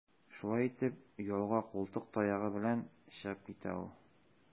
Шулай итеп, ялга култык таягы белән чыгып китә ул.